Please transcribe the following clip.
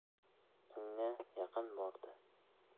unga yaqin bordi